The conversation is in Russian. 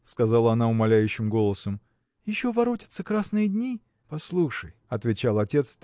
– сказала она умоляющим голосом, – еще воротятся красные дни. – Послушай! – отвечал отец